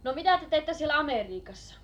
no mitä te teitte siellä Amerikassa